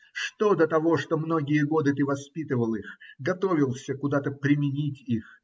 Что до того, что многие годы ты воспитывал их, готовился куда-то применить их?